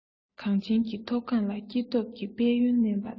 གངས ཅན གྱི མཐོ སྒང ལ སྐྱེ སྟོབས ཀྱི དཔལ ཡོན བསྣན པ དང